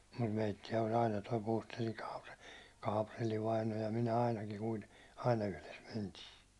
mutta meitä oli aina tuo Puustellin - Kaaprelli vainaja ja minä ainakin - aina yhdessä mentiin